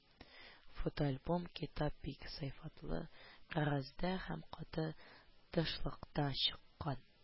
Фотоальбом-китап бик сыйфатлы кәгазьдә һәм каты тышлыкта чыккан